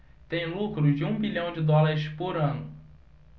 tem lucro de um bilhão de dólares por ano